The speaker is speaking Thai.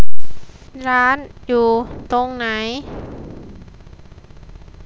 ร้านอยู่ตรงไหน